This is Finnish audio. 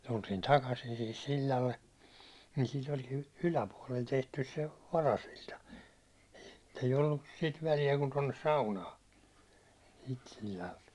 tultiin takaisin siihen sillalle niin siitä olikin yläpuolelle tehty se varasilta ei ollut sitä väliä kuin tuonne saunaan siitä sillalta